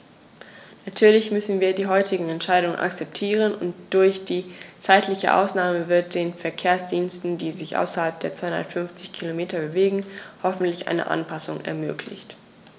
Natürlich müssen wir die heutige Entscheidung akzeptieren, und durch die zeitliche Ausnahme wird den Verkehrsdiensten, die sich außerhalb der 250 Kilometer bewegen, hoffentlich eine Anpassung ermöglicht.